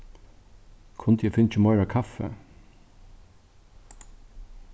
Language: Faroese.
kundi eg fingið meira kaffi